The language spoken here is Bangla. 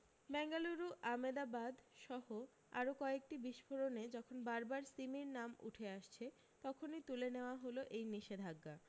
বেঙ্গালুরু আমেদাবাদ সহ আরও কয়েকটি বিস্ফোরণে যখন বার বার সিমির নাম উঠে আসছে তখনই তুলে নেওয়া হল এই নিষেধাজ্ঞা